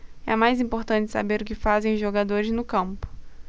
é mais importante saber o que fazem os jogadores no campo